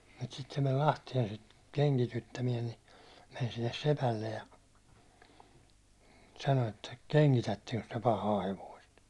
mutta sitten se meni Lahteen sitä kengityttämään niin meni sille sepälle ja sanoi että kengitättekö te pahaa hevosta